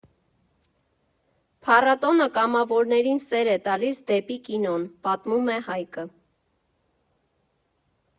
Փառատոնը կամավորներին սեր է տալիս դեպի կինոն», ֊ պատմում է Հայկը։